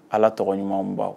Ala tɔgɔ ɲumanw baw